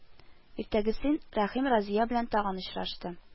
Иртәгесен Рәхим Разия белән тагын очрашты